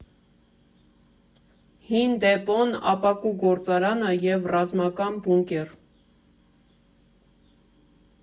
Հին դեպոն, ապակու գործարանը և ռազմական բունկեր.